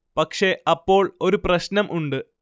പക്ഷെ അപ്പോൾ ഒരു പ്രശ്നം ഉണ്ട്